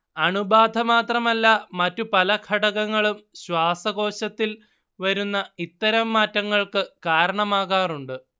അണുബാധ മാത്രമല്ല മറ്റ് പല ഘടകങ്ങളും ശ്വാസകോശത്തിൽ വരുന്ന ഇത്തരം മാറ്റങ്ങൾക്ക് കാരണമാകാറുണ്ട്